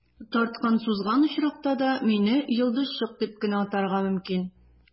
Тарткан-сузган очракта да, мине «йолдызчык» дип кенә атарга мөмкин.